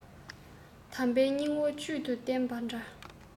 གདམས པའི སྙིང བོ བཅུད དུ བསྟེན པ འདྲ